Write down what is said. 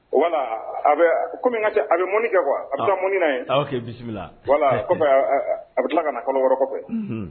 Wala a bɛ kɔmi kɛ a bɛ munni kɛ kuwa a bɛ taa munina bisimila wala a bɛ tila ka na kɔnɔ wɛrɛ kɔfɛ